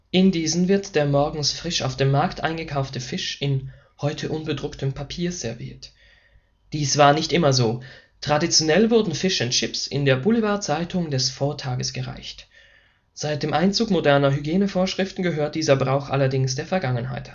In diesen wird der morgens frisch auf dem Markt eingekaufte Fisch in (heute unbedrucktem) Papier serviert. Dies war nicht immer so: Traditionell wurden Fish’ n’ Chips in der Boulevardzeitung des Vortags gereicht – seit dem Einzug moderner Hygienevorschriften gehört dieser Brauch allerdings der Vergangenheit